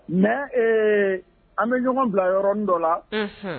Mɛ an bɛ ɲɔgɔn bila yɔrɔ min dɔ la